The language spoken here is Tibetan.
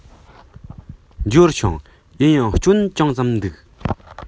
འབྱོར བྱུང ཡིན ཡང སྐྱོན ཅུང ཙམ འདུག